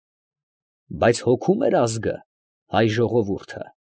Բայց հոգում է՞ր ազգը, հայ ժողովուրդը։